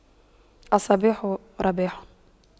الصباح رباح